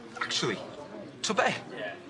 Actually t'o' be'?